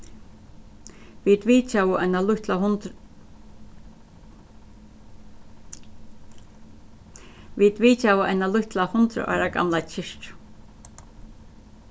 vit vitjaðu eina lítla hundrað ára gamla kirkju